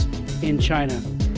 in trai